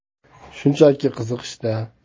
shunchaki qiziqishda